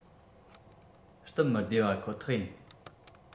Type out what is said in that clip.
སྟབས མི བདེ བ ཁོ ཐག ཡིན